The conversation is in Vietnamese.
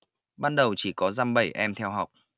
ban đầu chỉ có dăm bảy em theo học